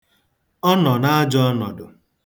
Ọ nọ n'ajọ ọnọdụ.